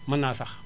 mën naa sax